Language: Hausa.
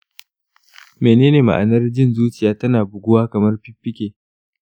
menene ma'anar jin zuciya tana buguwa kamar fiffike?